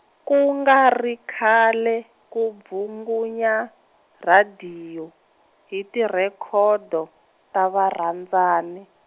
ku nga ri khale, ku bvungunya radiyo, hi tirhekodo, ta varhandzani.